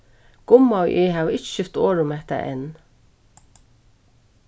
gumma og eg hava ikki skift orð um hatta enn